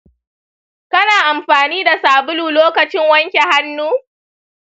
kana amfani da sabulu lokacin wanke hannu?